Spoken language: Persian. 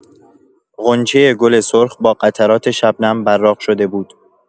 غنچه گل سرخ با قطرات شبنم براق شده بود.